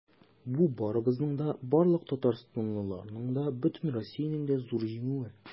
Бу барыбызның да, барлык татарстанлыларның да, бөтен Россиянең дә зур җиңүе.